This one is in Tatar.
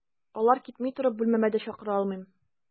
Алар китми торып, бүлмәмә дә чакыра алмыйм.